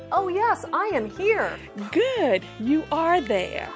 âu yết ai em hia gút iu ai dây e